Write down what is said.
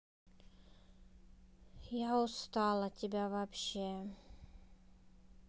я устал от тебя вообще